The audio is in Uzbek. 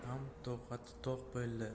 toqati toq bo'ldi